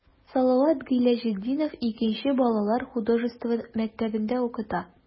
Салават Гыйләҗетдинов 2 нче балалар художество мәктәбендә укыта.